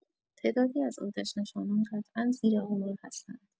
تعدادی از آتش‌نشانان قطعا زیر آوار هستند